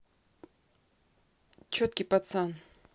четкий пацан